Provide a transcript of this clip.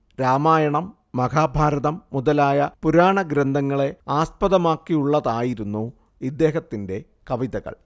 രാമായണം മഹാഭാരതം മുതലായ പുരാണഗ്രന്ഥങ്ങളെ ആസ്പദമാക്കിയുള്ളതായിരുന്നു ഇദ്ദേഹത്തിന്റെ കവിതകൾ